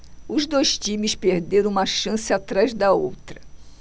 os dois times perderam uma chance atrás da outra